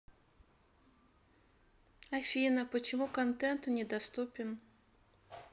афина почему контент недоступен